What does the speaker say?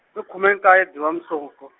i khume nkaye Dzivamusoko.